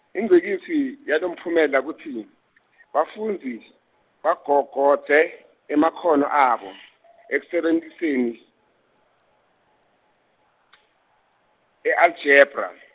ingcikitsi, yalomphumela kutsi , bafundzi, bagogodze, emakhono abo , ekusebentiseni , i aljebra.